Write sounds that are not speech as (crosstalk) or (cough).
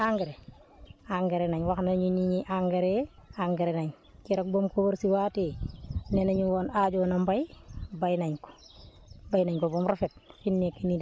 biñ ñu indilee engrais engrais nañ wax nañ ñu ni ñuy engrais engrais nañ keroog ba mu ko wërsiwaatee (noise) nee na ñu woon aajoo na mbéy béy nañ ko béy nañ ko ba mu rafet